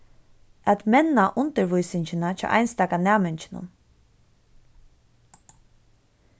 at menna undirvísingina hjá einstaka næminginum